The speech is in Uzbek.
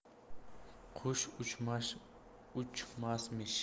qush uchmasmish